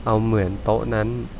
เอาเหมือนโต๊ะนั้น